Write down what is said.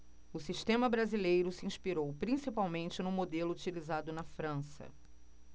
o sistema brasileiro se inspirou principalmente no modelo utilizado na frança